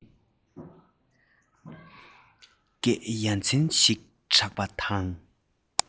སྐད ཡ མཚན ཞིག གྲགས པ དང